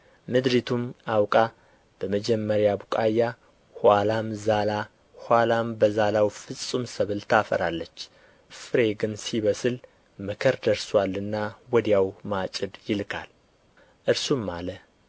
ምድሪቱም አውቃ በመጀመሪያ ቡቃያ ኋላም ዛላ ኋላም በዛላው ፍጹም ሰብል ታፈራለች ፍሬ ግን ሲበስል መከር ደርሶአልና ወዲያው ማጭድ ይልካል እርሱም አለ